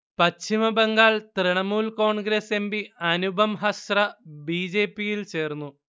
Paschim Bangal Trinamool Congress MP Anupam Hazra ബിജെപിയിൽ ചേർന്നു